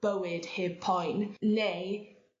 bywyd heb poen neu